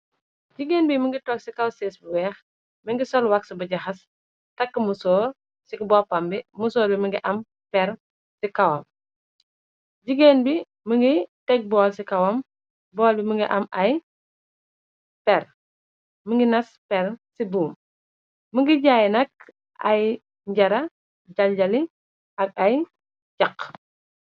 Jigéen bi mungi tog ci kaw-sees bi weex, mungi sol wagsu ba jaxas, takk musoor ci kaw boppam bi, musoor bi mungi am per ci kawam. Jigéen bi mungi teg bool ci kawam, bool bi mungi am ay per, mungi nas per ci buum, mungi jaay nakk ay njara jaljali ak ay jàq.